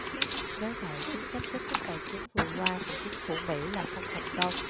nếu vậy chính sách kích thích tài chính vừa qua của chính phủ mỹ là không thành công